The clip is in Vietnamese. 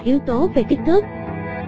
đầu tiên là yếu tố về kích thước